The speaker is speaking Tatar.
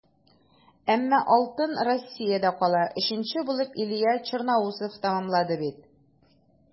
Әмма алтын Россиядә кала - өченче булып Илья Черноусов тәмамлады бит.